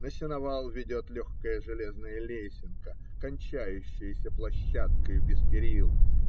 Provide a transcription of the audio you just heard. на сеновал ведет легкая железная лесенка, кончающаяся площадкою без перил.